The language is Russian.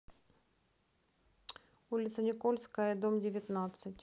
улица никольская дом девятнадцать